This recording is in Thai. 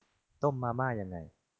ต้มมาม่ายังไง